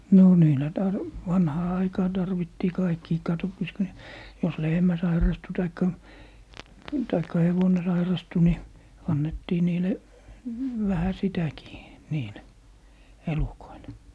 no niillä - vanhaan aikaan tarvittiin kaikkiin katsopas kun ne jos lehmä sairastui tai tai hevonen sairastui niin annettiin niille vähän sitäkin niille elukoille